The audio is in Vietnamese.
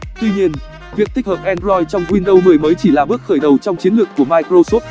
tuy nhiên việc tích hợp android trong windows mới chỉ là bước khởi đầu trong chiến lược của microsoft